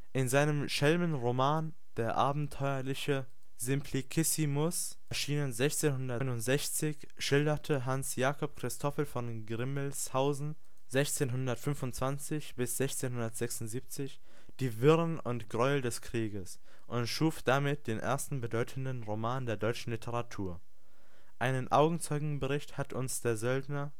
In seinem Schelmenroman Der abenteuerliche Simplicissimus, erschienen 1669, schilderte Hans Jakob Christoffel von Grimmelshausen (1625 – 1676) die Wirren und Gräuel des Krieges und schuf damit den ersten bedeutenden Roman der deutschen Literatur. Einen Augenzeugenbericht hat uns der Söldner